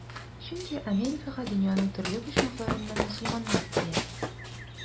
Чөнки Америкага дөньяның төрле почмакларыннан мөселманнар килә.